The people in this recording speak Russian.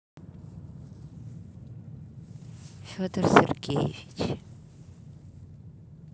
федор сергеевич